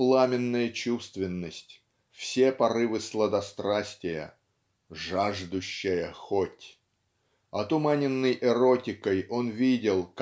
пламенная чувственность, все порывы сладострастия, "жаждущая хоть" отуманенный эротикой он видел